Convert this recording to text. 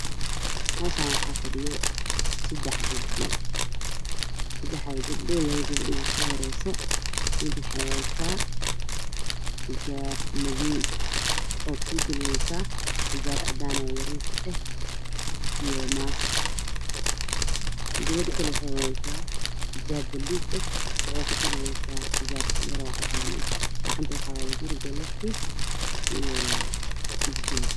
Meeshaan waxaa fadhiyo sadex gabdho sadexda gabdho labada Gabar ugu soo horeeso mid wexee wadataa xijaab madow wexee kasii Dabo wadataa Xijaab cadan oo yariis eh iyo Maas gabadha kale waxa ee wadataa xijaab buluug eh wexee ku dul wadataa xijaab yaroo cadan ah gacanta waxa ugu jiro kolofis iyo jijin